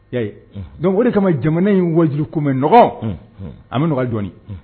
Ya dɔn o kama jamana in waju ko mɛn n nɔgɔ an bɛ nɔgɔya jɔn